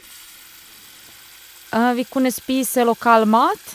Vi kunne spise lokal mat.